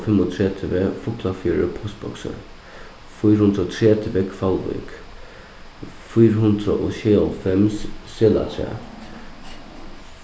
fimmogtretivu fuglafjørður postboksir fýra hundrað og tretivu hvalvík fýra hundrað og sjeyoghálvfems selatrað